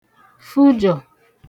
fujọ̀